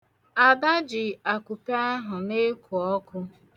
Ada ji akupe ahụ na-eku ọkụ.